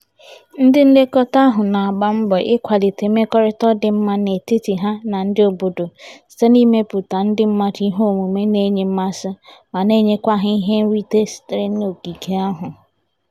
Ndị nlekọta ahụ na-agba mbọ ịkwalite mmekọrịta dị mma n'etiti ha na ndị obodo site n'imepụtara ndị mmadụ iheomume na-enye mmasị ma na-enyekwa ha ihe nrite sitere n'ogige ahụ.